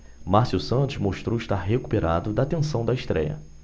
márcio santos mostrou estar recuperado da tensão da estréia